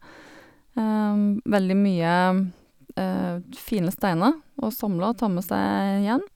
Veldig mye fine steiner å samle og ta med seg hjem.